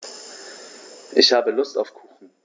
Ich habe Lust auf Kuchen.